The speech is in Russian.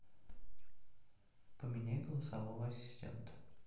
поменяй голосового ассистента